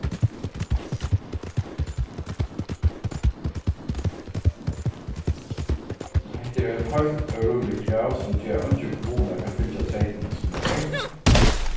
hetta er eitt heilt órímiligt krav sum ger at eingin kommuna kann fylgja treytunum sum nú er